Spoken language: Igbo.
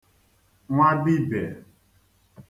nwadibè